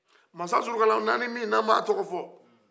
masa zulukaranahini mi ni an bɛ a tɔgɔ fɔ